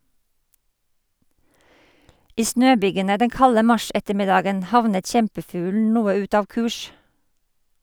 I snøbygene den kalde mars-ettermiddagen havnet kjempefuglen noe ut av kurs.